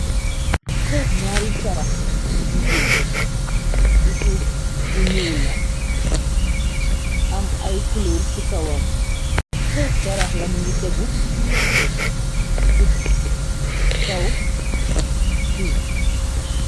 Nyaari charax yu jigéen ci suuf bu ñyul la am ay kuloor ci kawam carax lamu ngi tegu ci kaw suuf.